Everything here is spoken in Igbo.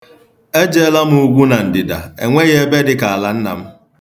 Ejeela m ugwu na ndịda, enweghị ebe dị ka ala nna m.